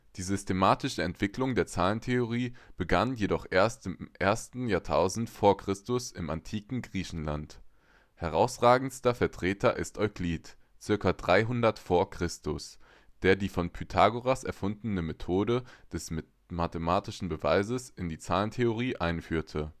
systematische Entwicklung der Zahlentheorie begann jedoch erst im ersten Jahrtausend v. Chr. im antiken Griechenland. Herausragendster Vertreter ist Euklid (ca. 300 v. Chr.), der die von Pythagoras erfundene Methode des mathematischen Beweises in die Zahlentheorie einführte